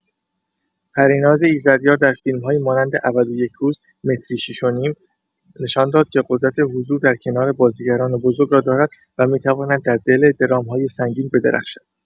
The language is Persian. پریناز ایزدیار در فیلم‌هایی مانند ابد و یک روز و متری شیش و نیم نشان داد که قدرت حضور در کنار بازیگران بزرگ را دارد و می‌تواند در دل درام‌های سنگین بدرخشد.